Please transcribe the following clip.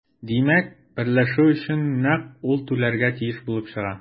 Димәк, берләшү өчен нәкъ ул түләргә тиеш булып чыга.